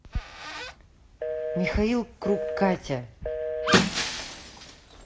михаил круг катя